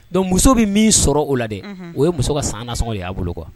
Donc muso be min sɔrɔ o la dɛ unhun o ye muso ka san nasɔŋɔ de y'a bolo quoi